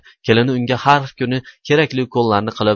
kelini unga har kuni kerakli ukollarni qilib